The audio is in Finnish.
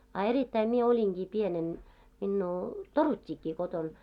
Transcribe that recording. a erittäin minä olinkin pienenä minua toruttiinkin kotona